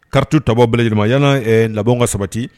Carte w tabaa bɛɛ lajɛlen ma yan'aan ɛɛ labanw ŋa sabati